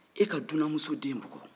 e ka dunan muso den bugɔ